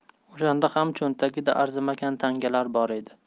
o'shanda ham cho'ntagida arzimagan tangalar bor edi